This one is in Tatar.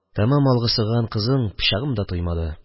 Тәмам алгысыган кызый, пычагымны да тоймады.